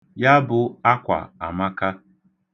Ya bụ akwa amaka.